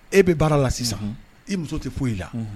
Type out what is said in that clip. E bɛ baara la sisan, unhun, i muso tɛ foyi la, unhun.